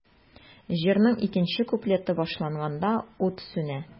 Җырның икенче куплеты башланганда, ут сүнә.